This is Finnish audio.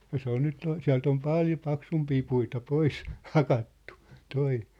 ja se on nyt sieltä on paljon paksumpia puita pois hakattu tuo